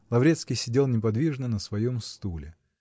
Лаврецкий сидел неподвижно на своем стуле.